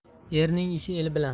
erning ishi el bilan